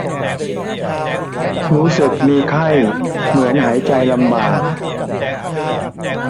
รู้สึกมีไข้เหมือนหายใจลำบาก